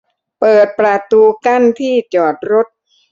เปิดประตูกั้นที่จอดรถ